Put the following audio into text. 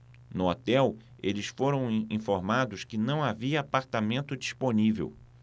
no hotel eles foram informados que não havia apartamento disponível